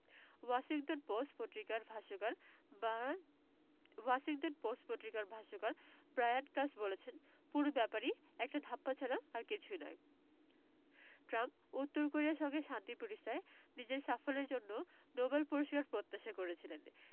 Washington Post পত্রিকার ভাষ্যকার Washington Post পত্রিকার ভাষ্যকার ব্রায়ান ক্লাস বলেছেন পুরো ব্যাপারই একটা ধাপ্পা ছাড়া আর কিছু নয় ট্রাম্প উত্তর কোরিয়ার সঙ্গে শান্তি প্রতিষ্ঠায় নিজের সাফল্যের জন্য নোবেল পুরস্কার প্রত্যাশা করেছিলেন